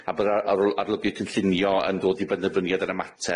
a bydd ar- arolygydd cynllunio yn dod i benderfyniad ar y mater